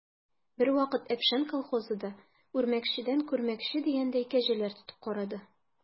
Бервакыт «Әпшән» колхозы да, үрмәкчедән күрмәкче дигәндәй, кәҗәләр тотып карады.